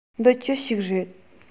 འདི ཅི ཞིག རེད